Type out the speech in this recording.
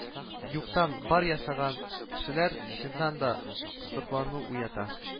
Юктан бар ясаган кешеләр чыннан да соклану уята